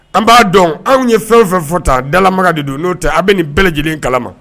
An b'a dɔn anw ye fɛn o fɛn fɔ tan dalama de don n'o tɛ aw bɛ nin bɛɛ lajɛlen kalama